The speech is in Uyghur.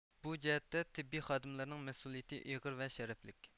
بۇ جەھەتتە تېببىي خادىملارنىڭ مەسئۇلىيىتى ئېغىر ۋە شەرەپلىك